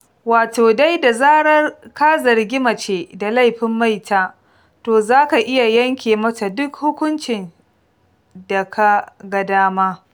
Wato dai da zarar ka zargi mace da laifin maita, to za ka iya yanke mata duk hukuncin da ka ga dama.